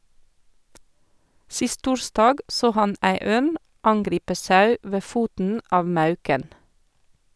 Sist torsdag så han ei ørn angripe sau ved foten av Mauken.